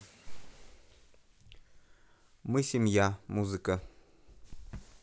мы семья музыка